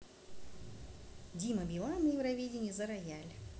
дима билан на евровидении за рояль